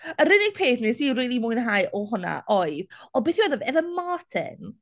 Yr unig peth wnes i rili mwynhau o hwnna oedd, o beth yw enw e, ife Martin?